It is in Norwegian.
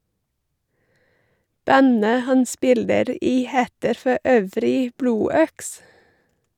Bandet han spiller i heter for øvrig Blodøks.